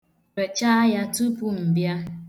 Rechaa ya tupu m bịa.